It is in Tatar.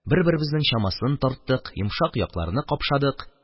Бер-беребезнең чамасын тарттык, йомшак якларны капшадык.